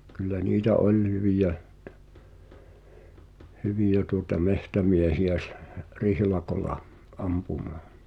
kyllä niitä oli hyviä hyviä tuota metsämiehiä - rihlakolla ampumaan